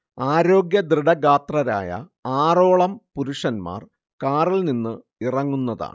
ആരോഗ്യദൃഡഗാത്രരായ ആറോളം പുരുഷന്മാർ കാറിൽ നിന്ന് ഇറങ്ങുന്നതാണ്